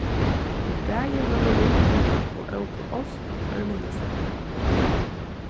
vit bæði vóru úti og ótu ost ørminnist eg